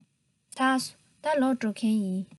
ཚར སོང ད ལོག འགྲོ མཁན ཡིན